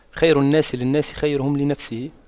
خير الناس للناس خيرهم لنفسه